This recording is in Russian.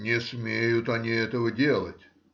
— Не смеют они этого делать.